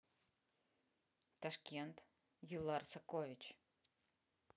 ташкент юллар сокович